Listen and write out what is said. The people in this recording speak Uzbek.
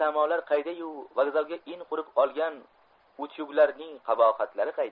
ilohiy samolar qayda yu vokzalga in qurib olgan utyuglarning qabohatlari qayda